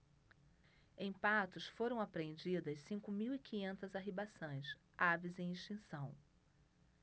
em patos foram apreendidas cinco mil e quinhentas arribaçãs aves em extinção